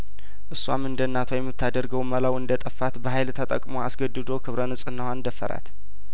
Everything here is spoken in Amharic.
እሷም እንደእናቷ የምታደርገው መላው እንደጠፋት በሀይል ተጠቅሞ አስገድዶ ክብረ ንጽናዋን ደፈራት